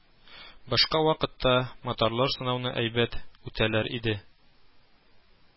Башка вакытта моторлар сынауны әйбәт; үтәләр иде